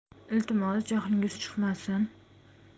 iltimos jahlingiz chiqmasin